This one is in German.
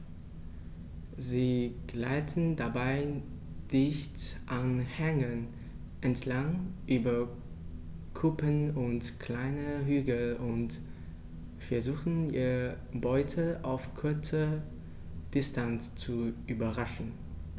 Sie gleiten dabei dicht an Hängen entlang, über Kuppen und kleine Hügel und versuchen ihre Beute auf kurze Distanz zu überraschen.